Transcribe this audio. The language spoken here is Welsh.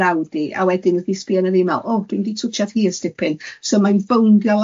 a wedyn neithi sbio arna fi a me'l oh, dwi'm di twtshad hi ers dipyn so mai'n bowndio lawr